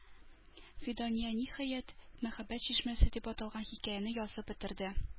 Фидания, ниһаять, "Мәхәббәт чишмәсе" дип аталган хикәяне язып бетерде.